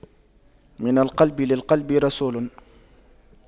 من القلب للقلب رسول